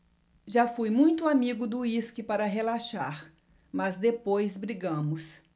já fui muito amigo do uísque para relaxar mas depois brigamos